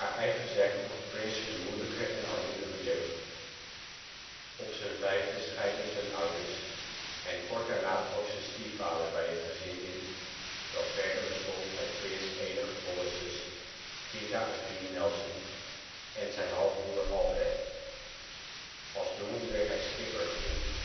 eigen zeggen had Prince een moeilijke en armoedige jeugd. Op z 'n vijfde scheidden zijn ouders en kort daarna trok zijn stiefvader bij het gezin in, dat verder bestond uit Prince ' enige volle zus, Tika Evene (Tyka) Nelson, en zijn halfbroer Alfred. Als jongen werd hij Skipper genoemd